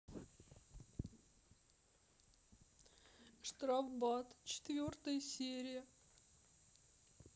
штрафбат четвертая серия